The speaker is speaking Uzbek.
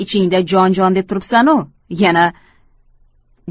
ichingda jon jon deb turibsanu